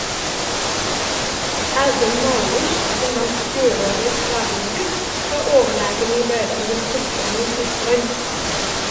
Adam Malysz , som vant fjorårets verdenscup, var overlegen i lørdagens hopprenn i Tyskland.